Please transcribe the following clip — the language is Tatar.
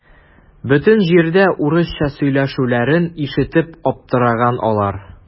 Бөтен җирдә урысча сөйләшүләрен ишетеп аптыраган алар.